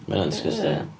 Ma' hynna'n disgusting.